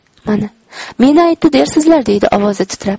mana meni aytdi dersizlar deydi ovozi titrab